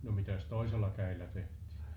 no mitäs toisella kädellä tehtiin